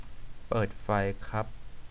เปิดไฟครับ